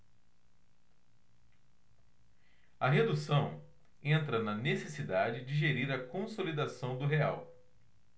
a redução entra na necessidade de gerir a consolidação do real